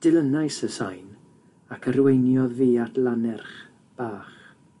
Dilynais y sain ac arweiniodd fi at lannerch bach.